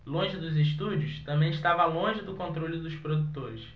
longe dos estúdios também estava longe do controle dos produtores